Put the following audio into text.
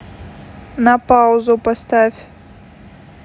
на паузу поставь